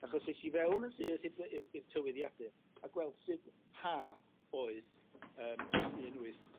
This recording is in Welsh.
achos es i fewn yn syth i yy i'r i'r tywyddiadur a gweld sud ha oedd yym un wyth